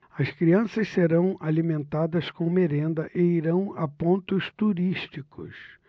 as crianças serão alimentadas com merenda e irão a pontos turísticos